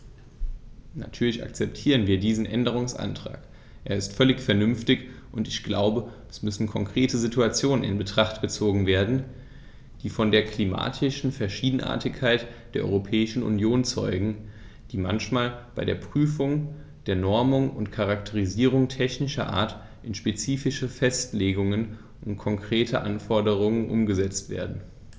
Natürlich akzeptieren wir diesen Änderungsantrag, er ist völlig vernünftig, und ich glaube, es müssen konkrete Situationen in Betracht gezogen werden, die von der klimatischen Verschiedenartigkeit der Europäischen Union zeugen, die manchmal bei der Prüfung der Normungen und Charakterisierungen technischer Art in spezifische Festlegungen und konkrete Anforderungen umgesetzt werden.